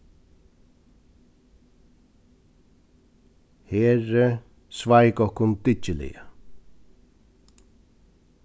heri sveik okkum dyggiliga